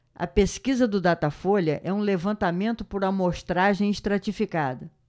a pesquisa do datafolha é um levantamento por amostragem estratificada